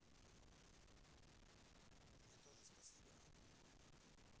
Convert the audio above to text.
мне тоже спасибо